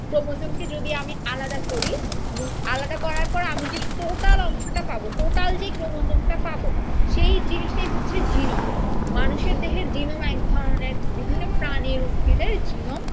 ক্রোমোজোমকে যদি আমরা আলাদা করি আলাদা করার পর আমি যে টোটাল অংশটা পাব টোটাল যে ক্রোমোজোম টা পাবো সেই জিনিসটাই হচ্ছে জিনোম মানুষের দেহে জিনোম এক ধরনের বিভিন্ন প্রাণীর উদ্ভিদের জিনোম